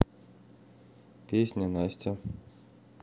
песня настя